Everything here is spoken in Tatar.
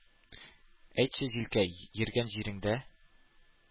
— әйтче, җилкәй, йөргән җиреңдә